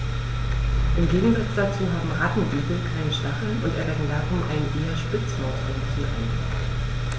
Im Gegensatz dazu haben Rattenigel keine Stacheln und erwecken darum einen eher Spitzmaus-ähnlichen Eindruck.